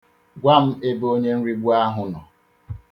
Gwa m ebe onyenrigbu ahụ nọ.